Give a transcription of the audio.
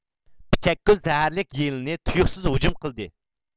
پىچەكگۈل زەھەرلىك يىلىنى تۇيۇقسىز ھۇجۇم قىلدى